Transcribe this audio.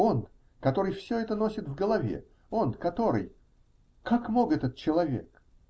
Он, который все это носит в голове, он, который. как мог этот человек?.